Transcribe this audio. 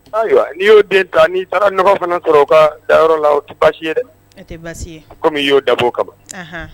Ayiwa ni yo den ta ni taara nɔgɔ fana sɔrɔ o ka dayɔrɔ la o tɛ baasi ye dɛ. O te baasi ye .kɔmi i yo dabo kama.